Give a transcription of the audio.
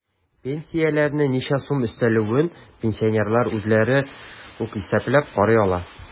Пенсияләренә ничә сум өстәлүен пенсионерлар үзләре үк исәпләп карый ала.